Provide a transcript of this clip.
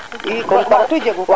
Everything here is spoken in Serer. i comme partout jegu